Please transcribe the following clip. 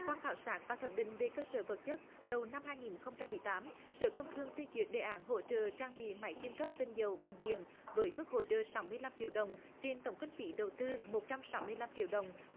qua khảo sát và thẩm định về cơ sở vật chất đầu năm hai nghìn không trăm mười tám sở công thương phê duyệt đề án hỗ trợ trang bị máy chưng cất tinh dầu bằng điện với mức hỗ trợ sáu mươi lăm triệu đồng trên tổng kinh phí đầu tư một trăm sáu mươi lăm triệu đồng